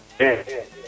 e